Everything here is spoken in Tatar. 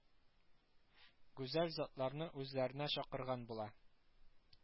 Гүзәл затларны үзләренә чакырган була